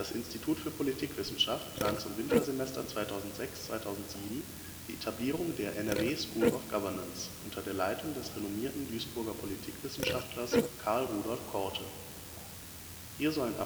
Institut für Politikwissenschaft plant zum Wintersemester 2006/2007 die Etablierung der " NRW School of Governance " unter der Leitung des renommierten Duisburger Politikwissenschaftlers Karl-Rudolf Korte. Hier sollen